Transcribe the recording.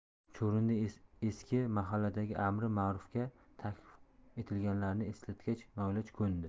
chuvrindi eski mahalladagi amri ma'ruf ga taklif etilganlarini eslatgach noiloj ko'ndi